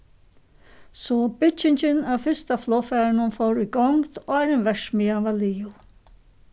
so byggingin av fyrsta flogfarinum fór í gongd áðrenn verksmiðjan var liðug